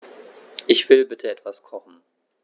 Ich will bitte etwas kochen.